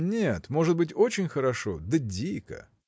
– Нет, – может быть, очень хорошо, да дико.